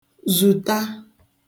zùta